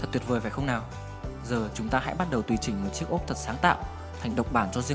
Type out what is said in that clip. thật tuyệt vời phải không nào giờ chúng ta hãy bắt đầu tùy chỉnh một chiếc ốp thật sáng tạo thành độc bản cho riêng mình nhé